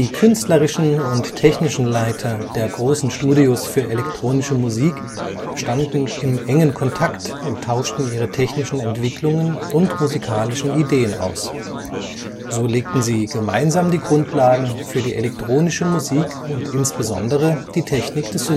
künstlerischen und technischen Leiter der großen Studios für elektronische Musik standen im engen Kontakt und tauschten ihre technischen Entwicklungen und musikalischen Ideen aus. So legten sie gemeinsam die Grundlagen für die elektronische Musik und insbesondere die Technik des